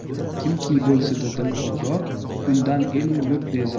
kimki bo'lsa dilozor undan el u yurt bezor